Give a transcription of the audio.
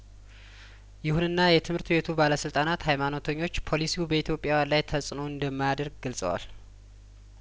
ይሁንና የትምህርት ቤቱ ባለስልጣናት ሀይማኖተኞች ፖሊሲው በኢትዮጵያውያን ላይ ተጽእኖ እንደማያደርግ ገልጸዋል